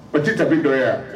O te tapis dɔ ye a